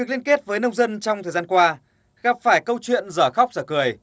được liên kết với nông dân trong thời gian qua gặp phải câu chuyện dở khóc dở cười